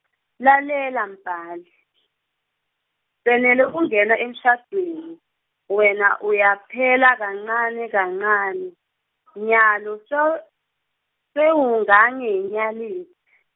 Lalela Mbali, senele kungena emshadweni, wena uyaphela kancane kancane , nyalo sewu- sewungangenyalitsi.